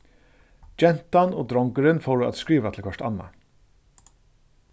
gentan og drongurin fóru at skriva til hvørt annað